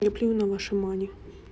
я плюю на ваши money